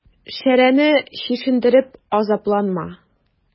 Шәрәне чишендереп азапланма.